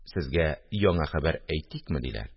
– сезгә яңа хәбәр әйтикме? – диләр